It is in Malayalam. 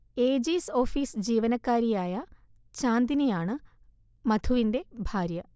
ഏജീസ് ഓഫീസ് ജീവനക്കാരിയായ ചാന്ദ്നിയാണ് മധുവിന്റെ ഭാര്യ